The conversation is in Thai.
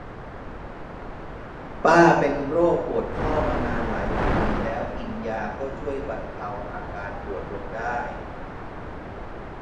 ป้าเป็นโรคปวดข้อมานานหลายปีแล้วกินยาก็ช่วยบรรเทาอาการปวดลงได้